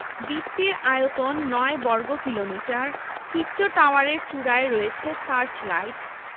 দ্বীপটির আয়তন ৯ বর্গ কিলোমিটার সুউচ্চ টাওয়ারের চুড়ায় রয়েছে সার্চ লাইট